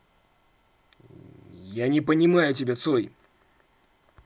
я не понимаю тебя цой